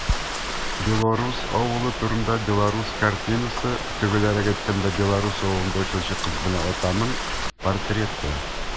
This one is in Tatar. Белорус авылы турында белорус картинасы - төгәлрәк әйткәндә, белорус авылында яшәүче кыз белән атаның портреты.